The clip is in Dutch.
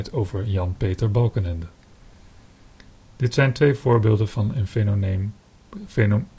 over Jan Peter Balkenende. Dit zijn twee voorbeelden van een fenomeen genaamd